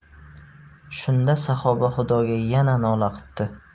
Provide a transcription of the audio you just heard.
shunda saxoba xudoga yana nola qipti